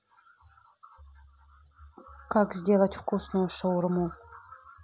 как сделать вкусную шаурму